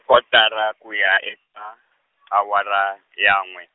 kotara ku ya eka , awara ya n'we.